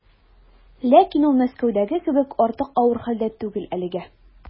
Ләкин ул Мәскәүдәге кебек артык авыр хәлдә түгел әлегә.